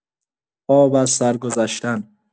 آب از سر گذشتن